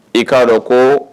I k'a dɔn ko